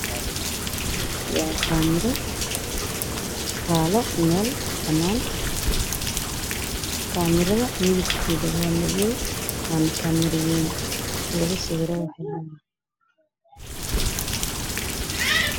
Waa kaamiro taalo meel banaan, kaamirada midibkeedu waa madow Wana Kaamiro weyn lagu sawiro waxyabaha